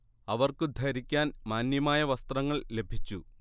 അവർക്കു ധരിക്കാൻ മാന്യമായ വസ്ത്രങ്ങൾ ലഭിച്ചു